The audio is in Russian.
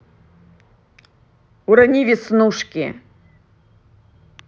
урони веснушки